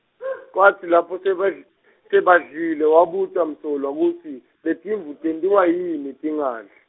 kwatsi lapho sebadl- sebadlile wabuta Msolwa kutsi, letimvu tentiwa yini tingadli?